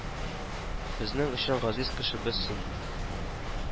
Безнең өчен газиз кешебез син